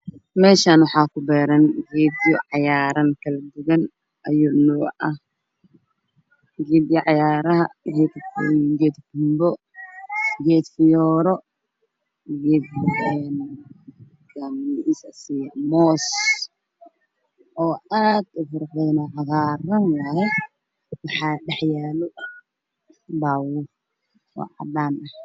Meeshaani waxaa ku beeran geedo cagaaran kala duduwan ayu nuuc ah geedka cagaraha geed qumbo geed fiyooro geed moos oo aad u quruxoon oo cagaaran waaye waxaa dhax yaalo baabuur oo cadaan eh